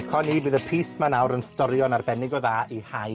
A 'co ni, bydd y pys 'ma nawr yn storio'n arbennig o dda i hau